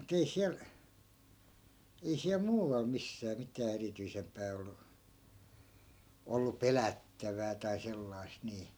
mutta ei siellä ei siellä muualla missään mitään erityisempää ollut ollut pelättävää tai sellaista niin